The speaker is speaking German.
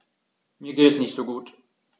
Mir geht es nicht gut.